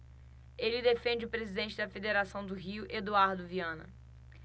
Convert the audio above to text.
ele defende o presidente da federação do rio eduardo viana